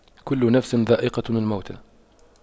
كُلُّ نَفسٍ ذَائِقَةُ المَوتِ